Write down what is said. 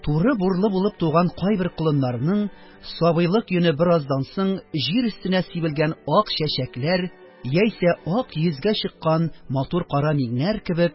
Туры бурлы булып туган кайбер колыннарның сабыйлык йоны бераздан соң, җир өстенә сибелгән ак чәчәкләр яисә ак йөзгә чыккан матур кара миңнәр кебек